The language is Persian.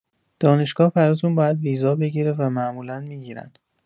دانشگاه براتون باید ویزا بگیره و معمولا می‌گیرن.